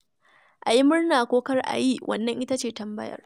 A yi murna ko kar a yi, wannan ita ce tambayar.